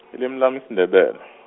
ilimi lami siNdebele.